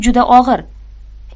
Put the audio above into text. juda og'ir